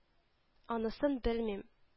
Анысын белмим